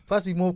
face bi moo ko